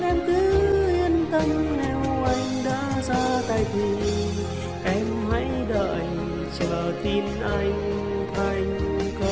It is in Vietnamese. nhưng em cứ yên tâm nếu anh đã ra tay thì em hãy đời chờ tin anh thành công